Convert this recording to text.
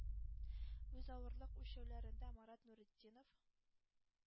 Үз авырлык үлчәүләрендә Марат Нуретдинов